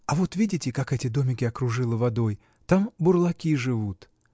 А вот, видите, как эти домики окружило водой? Там бурлаки живут.